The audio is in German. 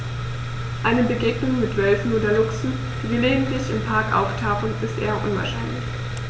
Eine Begegnung mit Wölfen oder Luchsen, die gelegentlich im Park auftauchen, ist eher unwahrscheinlich.